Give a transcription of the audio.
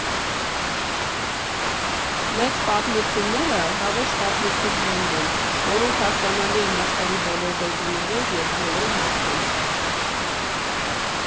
Մեծ պատմությունները՝ հավերժ պատմություններն են, որոնք հասկանալի են աշխարհի բոլոր լեզուներով և բոլոր մարդկանց։